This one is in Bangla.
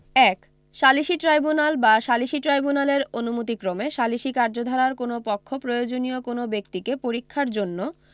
১ সালিসী ট্রাইব্যুনাল বা সালিসী ট্রাইব্যুনালের অনুমতিক্রমে সালিসী কার্যধারার কোন পক্ষ প্রয়োজনীয় কোন ব্যক্তিকে পরীক্ষার জন্য